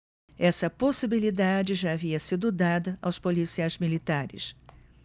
essa possibilidade já havia sido dada aos policiais militares